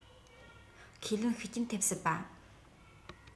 ཁས ལེན ཤུགས རྐྱེན ཐེབས སྲིད པ